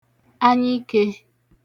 anyikē